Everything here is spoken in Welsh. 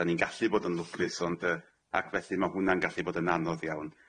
Dan ni'n gallu bod yn lwclus ond yy ac felly ma' hwnna'n gallu bod yn anodd iawn.